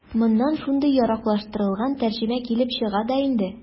Моннан шундый яраклаштырылган тәрҗемә килеп чыга да инде.